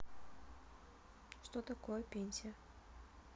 что такое пенсия